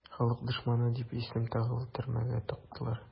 "халык дошманы" дип исем тагып төрмәгә тыктылар.